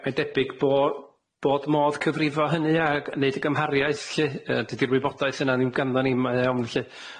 Mae mae'n debyg bo' bod modd cyfrifo hynny ag neud y gymhariaeth lly yy dydi'r wybodaeth yna ddim ganddon ni ma' anai ofn lly.